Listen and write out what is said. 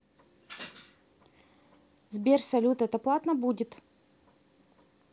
сбер салют это платно будет